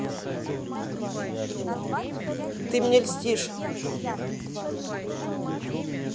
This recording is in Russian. ты мне льстишь